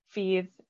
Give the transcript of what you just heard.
fydd